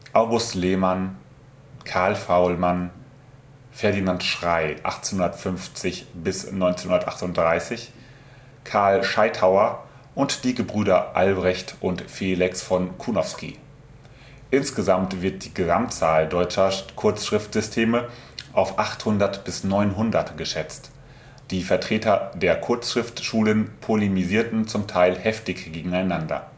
August Lehmann, Carl Faulmann, Ferdinand Schrey (1850− 1938), Karl Scheithauer und die Gebrüder Albrecht und Felix von Kunowski. Insgesamt wird die Gesamtzahl deutscher Kurzschriftsysteme auf 800 bis 900 geschätzt. Die Vertreter der Kurzschriftschulen polemisierten zum Teil heftig gegeneinander